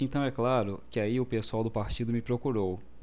então é claro que aí o pessoal do partido me procurou